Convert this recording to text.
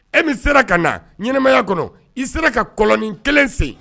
E bɛ sera ka na ɲɛnɛmaya kɔnɔ i sera ka kolonin kelen sen